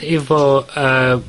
...efo, yy,